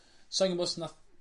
sai'n gwbo os nath